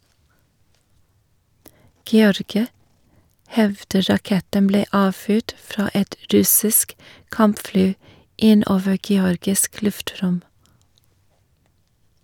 Georgia hevder raketten ble avfyrt fra et russisk kampfly inne over georgisk luftrom.